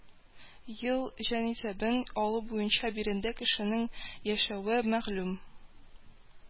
Ел җанисәбен алу буенча биредә кешенең яшәве мәгълүм